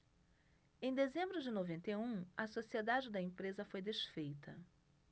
em dezembro de noventa e um a sociedade da empresa foi desfeita